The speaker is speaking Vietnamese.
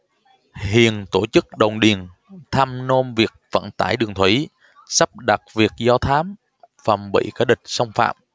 hiền tổ chức đồn điền thăm nom việc vận tải đường thủy sắp đặt việc do thám phòng bị kẻ địch xâm phạm